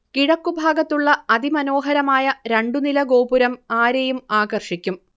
കിഴക്കുഭാഗത്തുള്ള അതിമനോഹരമായ രണ്ടുനില ഗോപുരം ആരെയും ആകർഷിയ്ക്കും